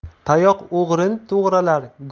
tayoq o'g'rini to'g'rilar